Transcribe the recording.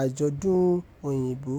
àjọ̀dún Òyìnbó.